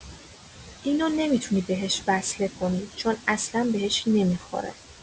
اینو نمی‌تونی بهش وصله کنی، چون اصلا بهش نمی‌خوره.